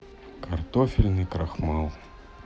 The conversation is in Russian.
картофельный крахмал